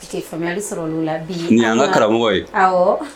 Ok faamuyali sɔr'o la, bi ;ni y'an ka karamogo ye; awɔ.